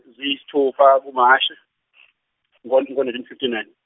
ziyisithupha ku- March ngonin- ngo- nineteen fifty nine.